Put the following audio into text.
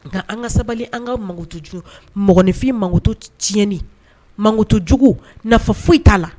Nka an ka sabali an ka mankutuju mɔgɔninfin mankutu tiɲɛni mankutu jugu, nafa foyi t'a la